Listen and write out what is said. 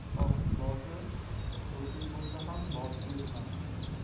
sipohining boshi ko'prikbo'lsa ham bosib o'tma